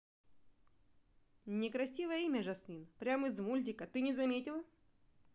некрасивое имя жасмин прям из мультика ты не заметила